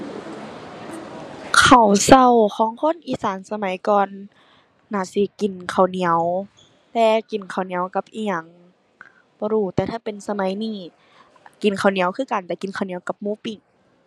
ข้าวเช้าของคนอีสานสมัยก่อน น่าสิกินข้าวเหนียว แต่กินข้าวเหนียวกับอิหยังบ่รู้ แต่ถ้าเป็นสมัยนี้ กินข้าวเหนียวคือกันแต่กินข้าวเหนียวกับหมูปิ้ง